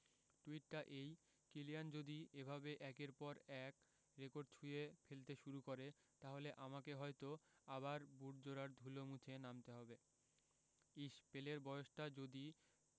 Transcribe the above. টুইটটা এই কিলিয়ান যদি এভাবে আমার একের পর এক রেকর্ড ছুঁয়ে ফেলতে শুরু করে তাহলে আমাকে হয়তো আবার বুটজোড়ার ধুলো মুছে নামতে হবে ইশ্ পেলের বয়সটা যদি